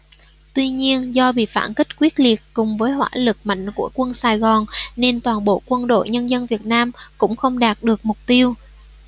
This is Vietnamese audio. tuy nhiên do bị phản kích quyết liệt cùng với hỏa lực mạnh của quân sài gòn nên toàn bộ quân quân đội nhân dân việt nam cũng không đạt được mục tiêu